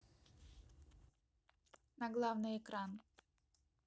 на главный экран